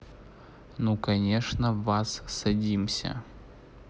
ну конечно вас садимся